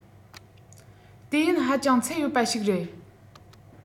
དུས ཡུན ཧ ཅང ཚད ཡོད པ ཞིག རེད